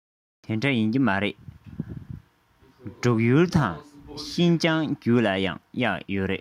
དེ འདྲ ཡིན གྱི མ རེད འབྲུག ཡུལ དང ཤིན ཅང རྒྱུད ལ ཡང གཡག ཡོད རེད